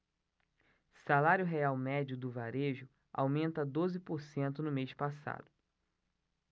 salário real médio do varejo aumenta doze por cento no mês passado